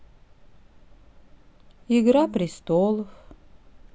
игра престолов